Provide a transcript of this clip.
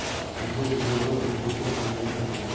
tunda videobar o'zgacha manzara kasb etadi